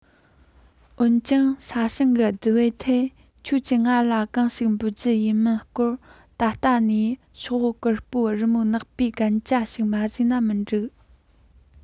འོན ཀྱང ས ཞིང གི བསྡུ འབབ ཐད ཁྱེད ཀྱི ང ལ གང ཞིག འབུལ རྒྱུ ཡིན མིན སྐོར ད ལྟ ནས ཤོག པོ དཀར པོར རི མོ ནག པོའི གན རྒྱ ཞིག མ བཟོས ན མི འགྲིག